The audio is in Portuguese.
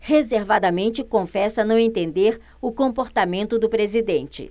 reservadamente confessa não entender o comportamento do presidente